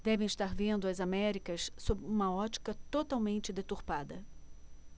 devem estar vendo as américas sob uma ótica totalmente deturpada